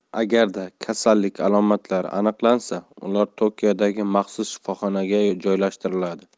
agarda kasallik alomatlari aniqlansa ular tokiodagi maxsus shifoxonaga joylashtiriladi